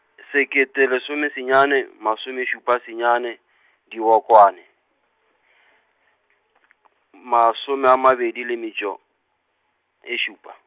sekete lesomesenyane masomešupa senyane, Dibokwane , masome a mabedi le metšo, e šupa.